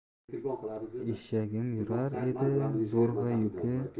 eshagim yurar edi zo'rg'a